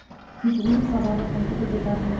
chunki o'lik xabarni qaysi tilga